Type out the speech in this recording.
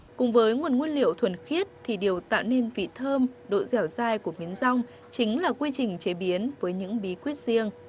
cùng với nguồn nguyên liệu thuần khiết thì điều tạo nên vị thơm độ dẻo dai của miến dong chính là quy trình chế biến với những bí quyết riêng